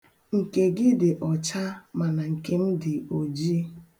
Nke gị dị ọcha mana nke m dị oji.